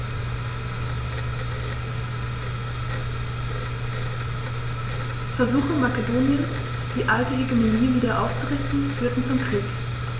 Versuche Makedoniens, die alte Hegemonie wieder aufzurichten, führten zum Krieg.